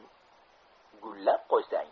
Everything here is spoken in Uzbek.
gullab qo'ysang